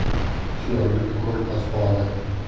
hushyoruk umr posboni